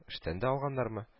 Эштән дә алганнармы